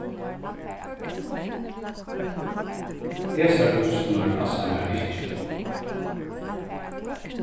hesar buksurnar passa mær ikki